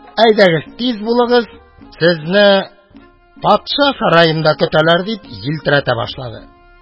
Әйдәгез, тиз булыгыз, сезне патша сараенда көтәләр, – дип җилтерәтә башлады.